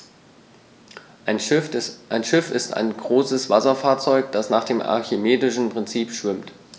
Ein Schiff ist ein größeres Wasserfahrzeug, das nach dem archimedischen Prinzip schwimmt.